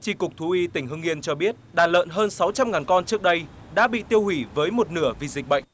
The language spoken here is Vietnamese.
chi cục thú y tỉnh hưng yên cho biết đàn lợn hơn sáu trăm ngàn con trước đây đã bị tiêu hủy với một nửa vì dịch bệnh